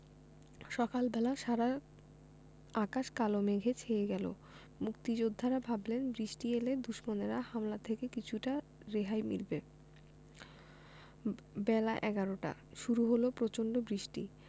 সকাল বেলা সারা আকাশ কালো মেঘে ছেয়ে গেল মুক্তিযোদ্ধারা ভাবলেন বৃষ্টি এলে দুশমনেরা হামলা থেকে কিছুটা রেহাই মিলবে বেলা এগারোটা শুরু হলো প্রচণ্ড বৃষ্টি